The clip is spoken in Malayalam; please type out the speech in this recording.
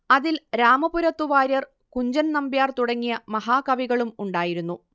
അതിൽ രാമപുരത്തു വാര്യർ കുഞ്ചൻ നമ്പ്യാർ തുടങ്ങിയ മഹാകവികളും ഉണ്ടായിരുന്നു